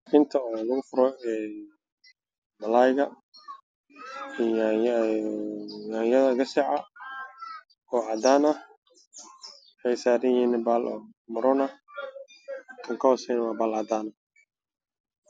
Waa makiinad midabkeedii yahay guduud